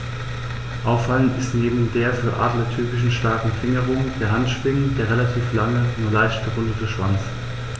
Auffallend ist neben der für Adler typischen starken Fingerung der Handschwingen der relativ lange, nur leicht gerundete Schwanz.